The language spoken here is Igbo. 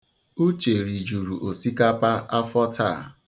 Uche rijuru osikapa afọ taa.